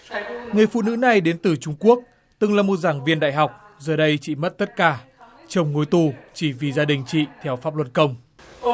người phụ nữ này đến từ trung quốc từng là một giảng viên đại học giờ đây chị mất tất cả chồng ngồi tù chỉ vì gia đình chị theo pháp luật công